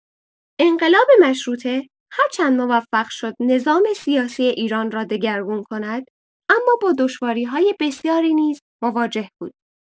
انقلاب مشروطه هرچند موفق شد نظام سیاسی ایران را دگرگون کند اما با دشواری‌های بسیاری نیز مواجه بود.